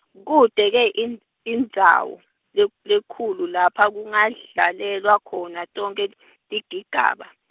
Kute-ke ind- indzawo, le- lenkhulu lapha kungadlalelwa khona, tonkhe tigigaba.